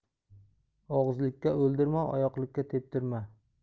og'izlikka oldirma oyoqlikka teptirma